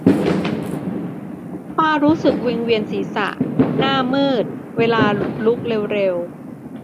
ป้ารู้สึกวิงเวียนศีรษะหน้ามืดเวลาลุกเร็วเร็ว